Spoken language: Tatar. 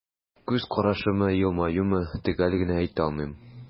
Күз карашымы, елмаюмы – төгәл генә әйтә алмыйм.